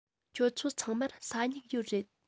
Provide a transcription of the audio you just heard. ཁྱོད ཚོ ཚང མར ས སྨྱུག ཡོད རེད